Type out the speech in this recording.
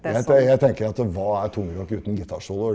jeg jeg tenker at hva er tungrock uten gitarsoloer?